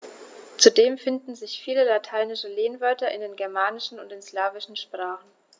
Zudem finden sich viele lateinische Lehnwörter in den germanischen und den slawischen Sprachen.